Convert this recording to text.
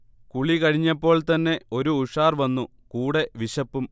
കുളി കഴിഞ്ഞപ്പോൾത്തന്നെ ഒരു ഉഷാർ വന്നു കൂടെ വിശപ്പും